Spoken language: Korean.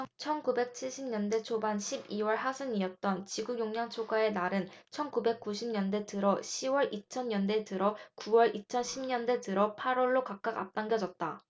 천 구백 칠십 년대 초반 십 이 월 하순이었던 지구 용량 초과의 날은 천 구백 구십 년대 들어 시 월 이천 년대 들어 구 월 이천 십 년대 들어 팔 월로 각각 앞당겨졌다